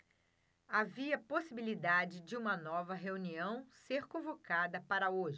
havia possibilidade de uma nova reunião ser convocada para hoje